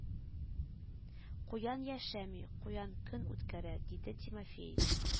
– куян яшәми, куян көн үткәрә, – диде тимофеич,